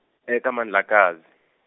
eka Mandlakazi.